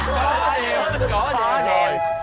điềm có điềm